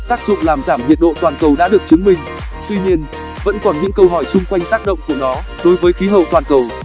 tác dụng làm giảm nhiệt độ toàn cầu đã được chứng minh tuy nhiên vẫn còn những câu hỏi xung quanh tác động của nó đối với khí hậu toàn cầu